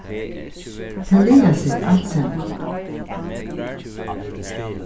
tað lagar seg alt samalt